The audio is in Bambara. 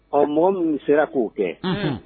Ɔ mɔgɔ minnu sera k'o kɛ unhun unn